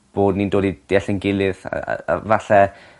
bod ni'n dod i deall 'yn gilydd fatha yy yy yy falle